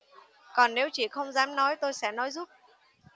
còn nếu chị không dám nói tôi sẽ nói giúp